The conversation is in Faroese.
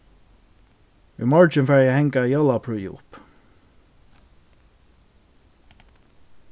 í morgin fari eg at hanga jólaprýði upp